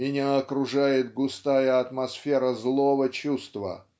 "Меня окружает густая атмосфера злого чувства